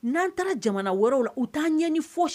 Nan taara jamana wɛrɛw la u tan ɲɛ ni fɔsi